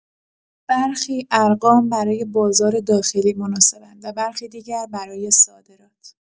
برخی ارقام برای بازار داخلی مناسب‌اند و برخی دیگر برای صادرات.